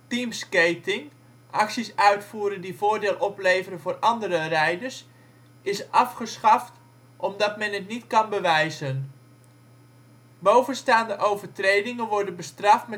Team skating: acties uitvoeren die voordeel opleveren voor andere rijders - is afgeschaft omdat men het niet kan bewijzen. Bovenstaande overtredingen worden bestraft